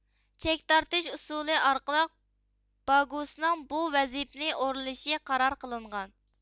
چەك تارتىش ئۇسۇلى ئارقىلىق باگئوسنىڭ بۇ ۋەزىپىنى ئورۇنلىشى قارار قىلىنغان